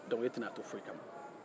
dɔnku e tɛna a to foyi kama